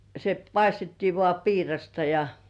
se paistettiin vain piirasta ja